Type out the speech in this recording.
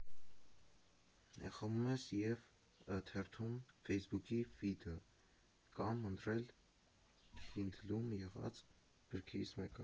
Խմում ես, և թերթում Ֆեյսբուքի ֆիդը (կամ ընտրել քինդլում եղած գրքերից մեկը)։